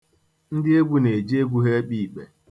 Ndị egwu na-eji egwu ha ekpe ikpe.